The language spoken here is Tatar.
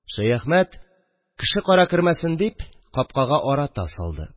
Шәяхмәт кеше-кара кермәсен дип капкага арата салды